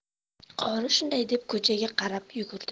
qori shunday deb ko'chaga qarab yurdi